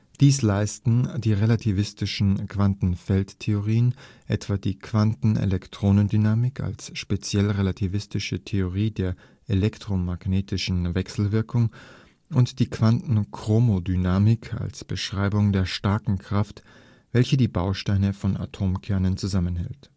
Dies leisten die (relativistischen) Quantenfeldtheorien, etwa die Quantenelektrodynamik als speziell-relativistische Theorie der elektromagnetischen Wechselwirkung und die Quantenchromodynamik als Beschreibung der starken Kraft, welche die Bausteine von Atomkernen zusammenhält